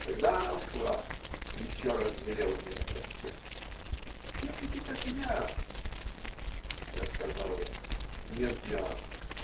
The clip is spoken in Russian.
тогда она ушла и еще раз велела мне на прощанье: -- Делайте, как я. Я сказал: -- Нет, Диана.